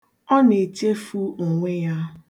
Ọ na-echefu onwe ya.